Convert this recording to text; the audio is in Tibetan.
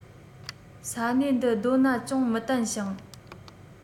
ས གནས འདི རྡོ ན ཅུང མི བརྟན ཞིང